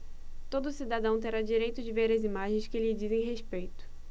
todo cidadão terá direito de ver as imagens que lhe dizem respeito